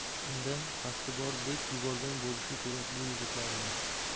unda qasdi bor bek yuborgan bo'lishi kerak bu yigitlarni